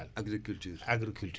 donc météo